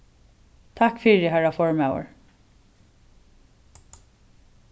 takk fyri harra formaður